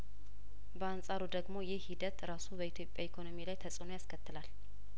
በአንጻሩ ደግሞ ይህ ሂደት ራሱ በኢትዮጵያ ኢኮኖሚ ላይ ተጽእኖ ያስከትላል